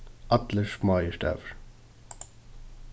allir smáir stavir